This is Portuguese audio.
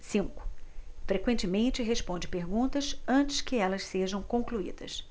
cinco frequentemente responde perguntas antes que elas sejam concluídas